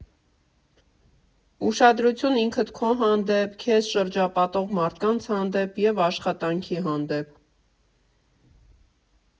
Ուշադրություն ինքդ քո հանդեպ, քեզ շրջապատող մարդկանց հանդեպ և աշխատանքի հանդեպ։